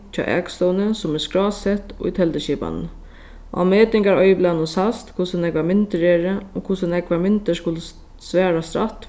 hjá akstovuni sum er skrásett í telduskipanini á metingaroyðublaðnum sæst hvussu nógvar myndir eru og hvussu nógvar myndir skulu svarast rætt